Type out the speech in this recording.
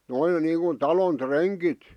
noin niin kuin talon rengit